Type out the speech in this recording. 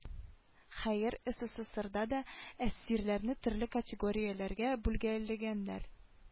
Хәер сссрда да әсирләрне төрле категорияләргә бүлгәләгәннәр